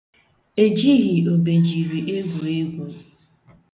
Ejighi obejiri egwu egwu.